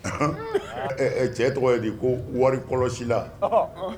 Ɛ cɛ tɔgɔ ye di ,ko wari kɔlɔsi la